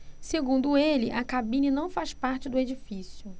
segundo ele a cabine não faz parte do edifício